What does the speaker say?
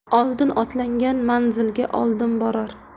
oldin otlangan manzilga oldin borar